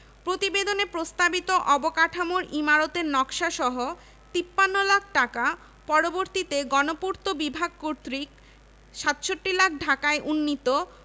এক পর্যায়ে lord Hardinge Kolkata বিশ্ববিদ্যালয়ের উপাচার্য স্যার আশুতোষ মুখার্জীকে জানিয়ে দেন যে তাঁদের বিরোধিতা সত্ত্বেও ঢাকায় একটি বিশ্ববিদ্যালয় প্রতিষ্ঠা করা হবে